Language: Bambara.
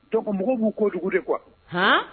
To mɔgɔw b'u ko kojugu de kuwa